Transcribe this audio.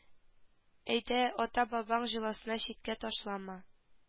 Әйдә ата-бабаң җоласын читкә ташлама